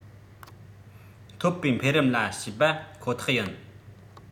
ཐོབ པའི འཕེལ རིམ ལ བྱས པ ཁོ ཐག ཡིན